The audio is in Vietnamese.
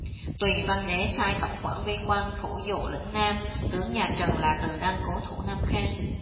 tùy văn đế sai tổng quản vi quang phủ dụ lĩnh nam tướng nhà trần là từ đăng cố thủ nam khang